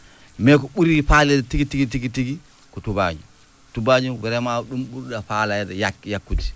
mais ko ɓuri faaleede tigi tigi tigi ko tubaañoo tubaañoo vraiment ɗum ɓurɗa faaleede yak yakkude